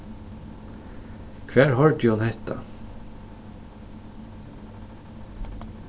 hvar hoyrdi hon hetta